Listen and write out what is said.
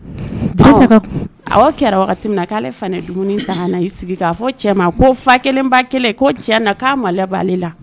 Kɛra wagati k'ale dumuni ta sigi ka fɔ ko fa kelen cɛ'a maale la